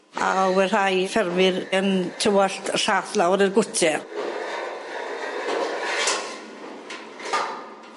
A we' rhai ffermwyr yn tywallt lla'th lawr y gwter.